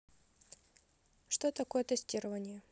что такое тестирование